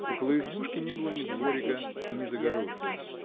Около избушки не было ни дворика, ни загородки.